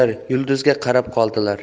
uchar yulduzga qarab qoldilar